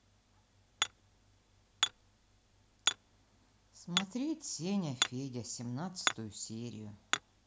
смотреть сеня федя семнадцатую серию